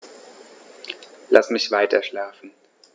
Lass mich weiterschlafen.